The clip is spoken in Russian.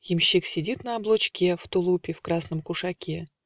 Ямщик сидит на облучке В тулупе, в красном кушаке.